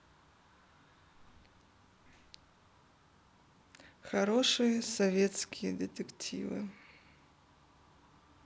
хорошие советские детективы